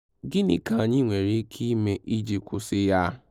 Gịnị ka anyị nwere ike ime iji kwụsị ya?